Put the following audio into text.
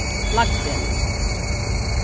flaggdegnum